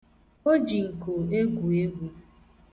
O ji nko egwu egwu.